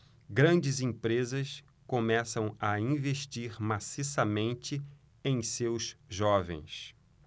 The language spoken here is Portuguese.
grandes empresas começam a investir maciçamente em seus jovens